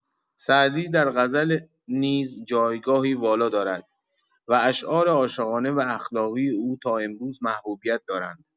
سعدی در غزل نیز جایگاهی والا دارد و اشعار عاشقانه و اخلاقی او تا امروز محبوبیت دارند.